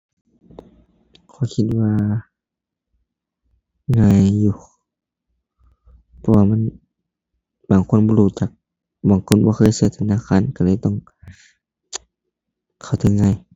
ข้อยคิดว่าง่ายอยู่ เพราะว่ามันบางคนบ่รู้จัก บางคนบ่เคยใช้ธนาคารใช้เลยต้อง เข้าใจง่าย